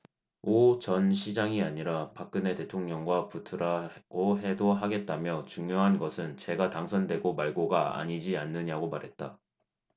오 전 시장이 아니라 박근혜 대통령과 붙으라고 해도 하겠다며 중요한 것은 제가 당선되고 말고가 아니지 않느냐고 말했다